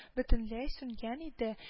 Бөтенләй сүнгән иде